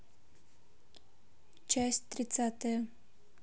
часть тридцатая